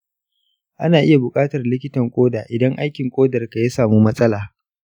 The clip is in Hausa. ana iya buƙatar likitan koda idan aikin kodarka ya samu matsala.